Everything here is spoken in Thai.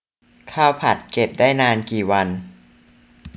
ข้าวผัดเก็บได้นานกี่วัน